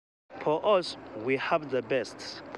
For us, we have the best.